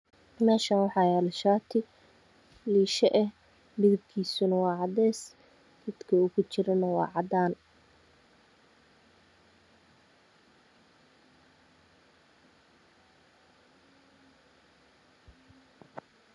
Meshan waxa yaalo shari liishe eh madabkiiso waa cades gedka oow ku jiro neh waa cadan